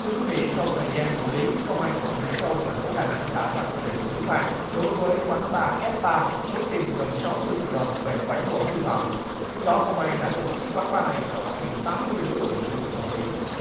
thưa quý vị sau thời gian thụ lý công an quận hải châu thành phố đà nẵng đã ra quyết định xử phạt đối với quán ba ép ba số tiền gần sáu mươi triệu đồng về bảy lỗi vi phạm trước đó công an đã đột kích quán ba này và phát hiện tám mươi đối tượng sử dụng ma túy